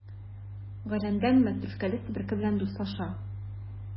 Гөләндәм мәтрүшкәле себерке белән дуслаша.